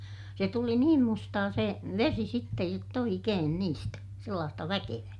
se tuli niin mustaa se vesi sitten jotta oikein niistä sellaista väkevää